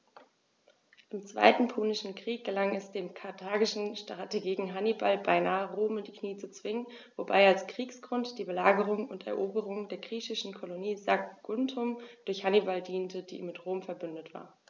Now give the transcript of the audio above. Im Zweiten Punischen Krieg gelang es dem karthagischen Strategen Hannibal beinahe, Rom in die Knie zu zwingen, wobei als Kriegsgrund die Belagerung und Eroberung der griechischen Kolonie Saguntum durch Hannibal diente, die mit Rom „verbündet“ war.